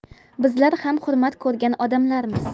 bizlar ham hurmat ko'rgan odamlarmiz